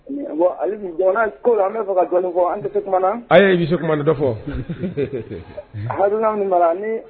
Bɔn ko an bɛ fɛ ka dɔɔnin fɔ an tɛ se kumana na ayi i bɛ se kuma dɔfɔ harduuna mara ni